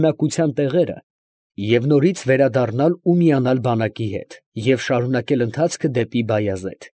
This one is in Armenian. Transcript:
Բնակության տեղերը և նորից վերադառնալ ու միանալ բանակի հետ և շարունակել ընթացքը դեպի Բայազեդ։